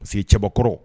Pece que cɛbakɔrɔ